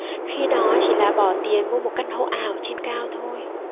khi đó chỉ là bỏ tiền mua một căn hộ ảo trên cao thôi